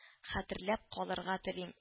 Хәтерләп калырга телим